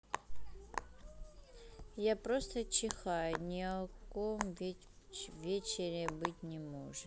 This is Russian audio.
я просто чихаю ни о каком вечере быть не может